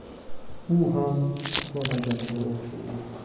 u ham uxlamaganga uxshaydi